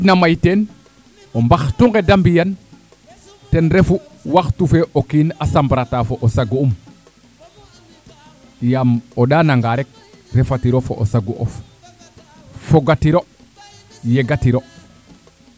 nama may teen o mbaxtu ne de mbiyan ten refu waxtu fee o kiin a samra ta fo o sago um yaam o ndana nga rek refa tiro fo o sago of foga tiro yega tiro